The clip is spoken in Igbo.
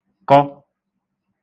-kọ